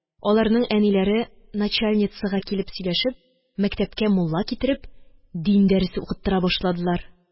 Аларның әниләре начальницага килеп сөйләшеп, мәктәпкә мулла китереп, дин дәресе укыттырта башладылар.